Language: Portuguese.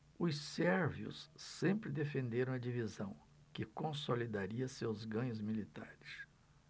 os sérvios sempre defenderam a divisão que consolidaria seus ganhos militares